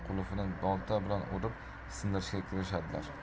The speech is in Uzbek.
qulfini bolta bilan urib sindirishga kirishadilar